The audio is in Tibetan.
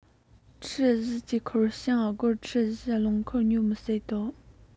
ཁྲི ༤ ཀྱི འཁོར བྱང སྒོར ཁྲི ༤ རླངས འཁོར ཉོ མི སྲིད དོ